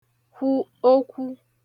kwu okwū